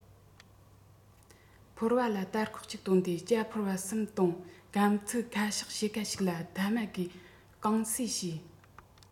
ཕོར བ ལ སྟར ཁོག ཅིག བཏོན ཏེ ཇ ཕོར པ གསུམ བཏུངས སྒམ ཚིག ཁ བཤགས ཕྱེད ཁ ཞིག ལ ཐ མ ཁའི གང ཟེ བྱས